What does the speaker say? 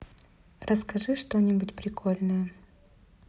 расскажи что нибудь прикольное